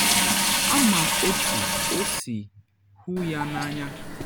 Ama m otu o si hụ ya n’anya.”